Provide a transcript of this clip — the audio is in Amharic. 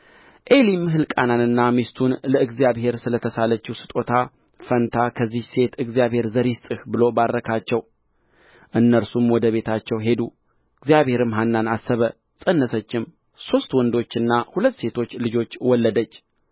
ዔሊም ሕልቃናንና ሚስቱን ለእግዚአብሔር ስለ ተሳለችው ስጦታ ፋንታ ከዚህች ሴት እግዚአብሔር ዘር ይስጥህ ብሎ ባረካቸው እነርሱም ወደ ቤታቸው ሄዱ እግዚአብሔርም ሐናን አሰበ ፀነሰችም ሦስት ወንዶችና ሁለትም ሴቶች ልጆች ወለደች